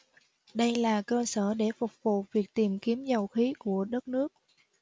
đây là cơ sở để phục vụ việc tìm kiếm dầu khí của đất nước